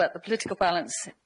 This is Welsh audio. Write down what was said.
Heb dy fod y glawn